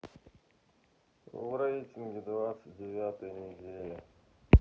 в рейтинге двадцать девятая неделя